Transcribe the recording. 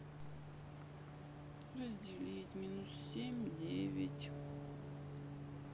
разделить минус семь девять